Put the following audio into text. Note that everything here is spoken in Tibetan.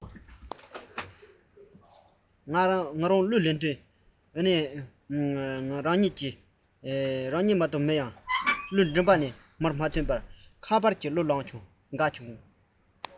གླུ ལེན འདོད ཀྱི འདུན པ འགོག མི འདུག ཉན མཁན ང རང ཉིད མ གཏོགས མེད ནའང གླུ མགྲིན པ ནས མ ཐོན ཁ པར གྱིས གླུ བླངས བྱུང དགའ བྱུང དགའ བྱུང ལ